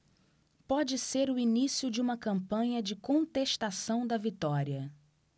pode ser o início de uma campanha de contestação da vitória